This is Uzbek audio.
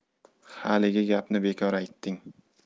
haligi gapni bekor aytding